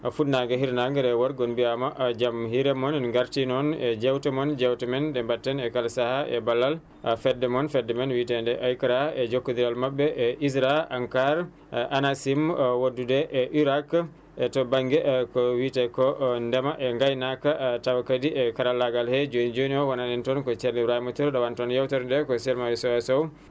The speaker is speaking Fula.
funnange e hirnange rewo e worgo on mbiyama jaam hiire moon en garti noon e jewtemoon jewte men ɗe mbatten e kala saaha e ballal fedde moon fedde men witende AICRA e jokkodiral maɓɓe e ISRA ,ANCARE ,ANACIM wonndunde e URAK e to banŋnge ko wiite ko ndema e gayanaka taw kadi e karallagal he jooni jooni o wonani en toon ko ceerno Ibrahima Touré ɗowanto on yewtere nde ko sehim moon Aliou Soya Sow